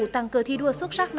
tặng cờ thi đua xuất sắc